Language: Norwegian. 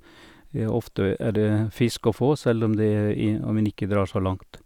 Ofte er det fisk å få selv om det er om en ikke drar så langt.